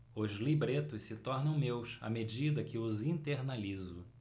os libretos se tornam meus à medida que os internalizo